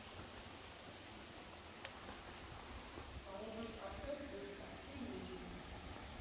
Կարող եք ասել, որ պահքի մեջ եք։